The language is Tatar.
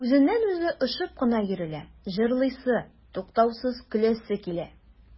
Үзеннән-үзе очып кына йөрелә, җырлыйсы, туктаусыз көләсе килә.